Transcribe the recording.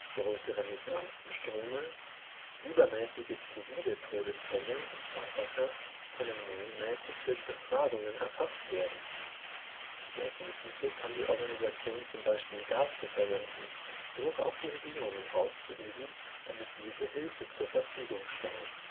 Größere Migrantenströme, übermäßige zivile Todesfälle und Massaker können mengenmäßig durch Befragungen erfasst werden. Die Ergebnisse kann die Organisation z. B. dazu verwenden, Druck auf die Regierungen auszuüben, damit diese Hilfe zur Verfügung stellen